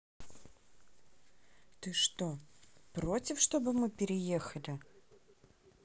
ты что против чтобы мы переехали